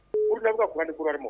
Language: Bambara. Oluda ka ku nikara ma